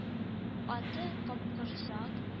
Аты — Капкорсак